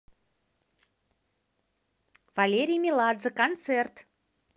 валерий меладзе концерт